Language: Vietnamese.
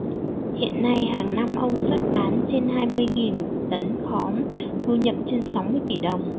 hiện nay hàng năm ông xuất bán trên hai mươi nghìn tấn khóm thu nhập trên sáu mươi tỷ đồng